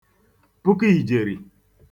puku ìjèrì